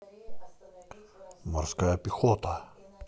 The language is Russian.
морская пехота